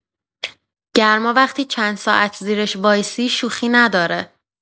گرما وقتی چند ساعت زیرش وایسی، شوخی نداره.